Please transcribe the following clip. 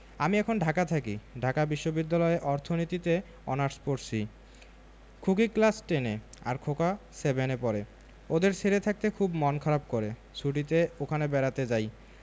আমি এখন ঢাকা থাকি ঢাকা বিশ্ববিদ্যালয়ে অর্থনীতিতে অনার্স পরছি খুকি ক্লাস টেন এ আর খোকা সেভেন এ পড়ে ওদের ছেড়ে থাকতে খুব মন খারাপ করে ছুটিতে ওখানে বেড়াতে যাই